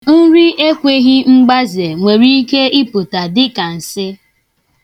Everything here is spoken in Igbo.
Nri ekweghị mgbaze nwere ike ịpụta dịka nsị.